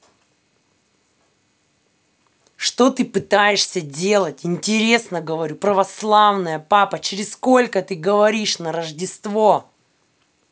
что ты пытаешься делать интересно говорю православная папа через сколько ты говоришь на рождество